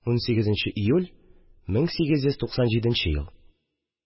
18 нче июль, 1897 ел